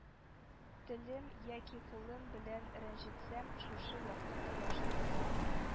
Телем яки кулым белән рәнҗетсәм, шушы якты кояшны